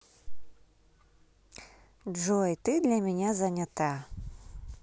джой ты для меня занята